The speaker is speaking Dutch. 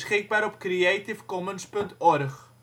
52° 03 ' NB, 5° 31 ' OL